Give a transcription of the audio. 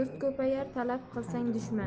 ko'payar talab qilsang dushman